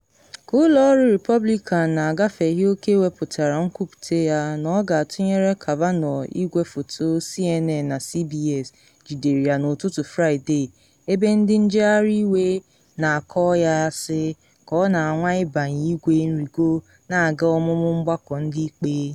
Ka ụlọ ọrụ Repọblikan na agafeghị oke wepụtara nkwupute ya na ọ ga-atụnyeere Kavanaugh, igwefoto CNN na CBS jidere ya n’ụtụtụ Fraịde ebe ndị njegharị iwe na akpọ ya asị ka ọ na anwa ịbanye igwe nrigo na aga ọnụnụ Mgbakọ Ndị Ikpe.